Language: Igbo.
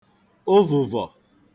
ụvụ̀vọ̀